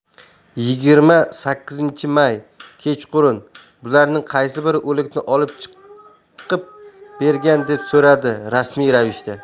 yigirma sakkizinchi may kechqurun bularning qaysi biri o'likni olib chiqib bergan deb so'radi rasmiy ravishda